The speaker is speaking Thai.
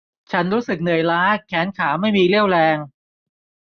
ฉันรู้สึกเหนื่อยล้าแขนขาไม่มีเรี่ยวแรง